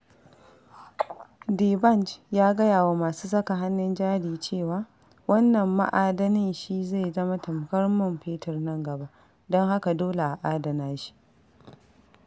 Dbanj ya gaya wa masu saka hannun-jari cewa, '' wannn ma'adanin shi zai zama tamkar man fetur nan gaba'', don haka dole a adana shi.